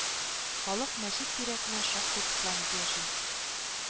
Халык мәчет тирәсенә шактый тупланып яши